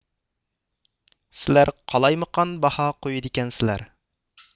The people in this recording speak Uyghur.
سىلەر قالايمىقان باھا قويىدىكەنسىلەر